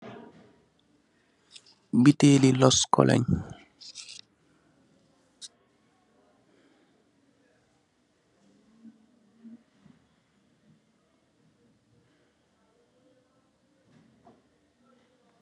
Bitaili loskolenge.